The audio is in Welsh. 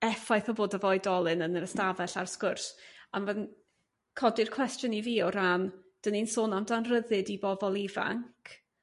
effaith o fod efo oedolyn yn yr ystafell ar sgwrs a fy 'n codi'r cwestiyn i fi o ran dyn ni'n sôn amdan rhyddid i bobl ifanc